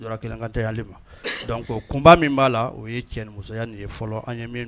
Kunba b'a la ye cɛ